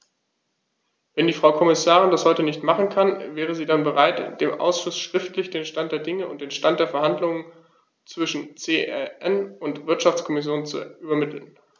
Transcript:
Wenn die Frau Kommissarin das heute nicht machen kann, wäre sie dann bereit, dem Ausschuss schriftlich den Stand der Dinge und den Stand der Verhandlungen zwischen CEN und Wirtschaftskommission zu übermitteln?